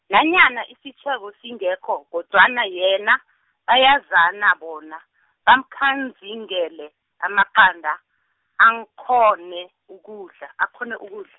nanyana isitjhebo singekho, kodwana yena, bayazana bona, bamkhanzingele, amaqanda, ankhone ukudla, akghone ukudl-.